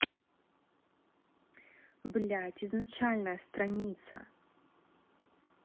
блядь изначальная страница